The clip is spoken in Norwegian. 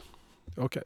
OK.